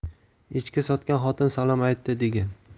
echki sotgan xotin salom aytdi degin